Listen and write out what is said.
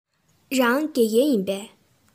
རང དགེ རྒན ཡིན པས